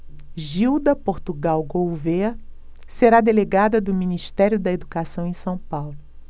gilda portugal gouvêa será delegada do ministério da educação em são paulo